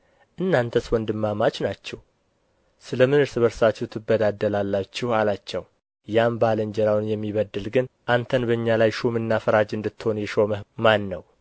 እናንተስ ወንድማማች ናችሁ ስለ ምን እርስ በርሳችሁ ትበዳደላላችሁ አላቸው ያም ባልንጀራውን የሚበድል ግን አንተን በእኛ ላይ ሹምና ፈራጅ እንድትሆን የሾመህ ማን ነው